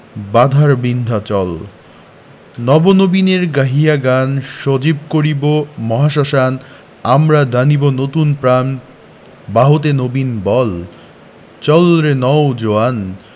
বাধার বিন্ধ্যাচল নব নবীনের গাহিয়া গান সজীব করিব মহাশ্মশান আমরা দানিব নতুন প্রাণ বাহুতে নবীন বল চল রে নও জোয়ান